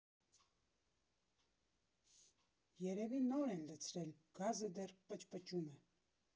Երևի նոր են լցրել, գազը դեռ պճպճում է։